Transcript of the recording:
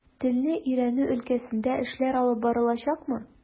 Телне өйрәнү өлкәсендә эшләр алып барылачакмы?